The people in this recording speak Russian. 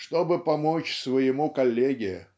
Чтобы помочь своему коллеге